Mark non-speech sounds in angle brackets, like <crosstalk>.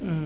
<hesitation> <hesitation>